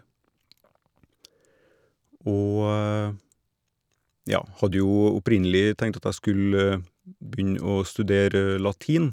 Og, ja, hadde jo opprinnelig tenkt at jeg skulle begynne å studere latin.